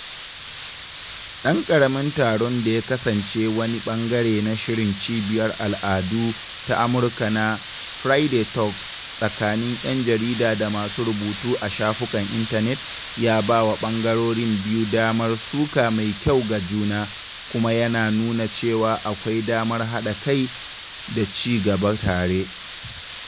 Ɗan ƙaramin taron da ya kasance wani ɓangare na shirin Cibiyar Al'adu ta Amurka na “Friday Talk”, tsakanin ‘yan jarida da masu rubutu a shafukan intanet ya bawa ɓangarorin biyu damar suka mai kyau ga juna, kuma ya nuna cewa akwai damar haɗa kai da ci gaba tare.